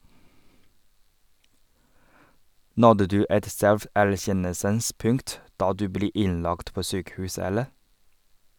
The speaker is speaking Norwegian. - Nådde du et selverkjennelsens punkt da du ble innlagt på sykehus, eller?